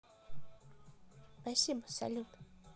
спасибо салют